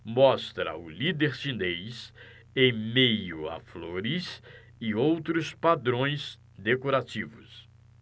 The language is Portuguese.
mostra o líder chinês em meio a flores e outros padrões decorativos